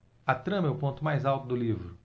a trama é o ponto mais alto do livro